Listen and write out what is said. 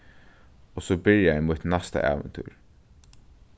og so byrjaði mítt næsta ævintýr